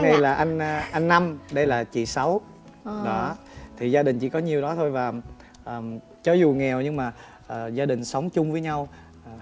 đây là anh anh năm đây là chị sáu đó thì gia đình chỉ có nhiêu đó thôi và cho dù nghèo nhưng mà gia đình sống chung với nhau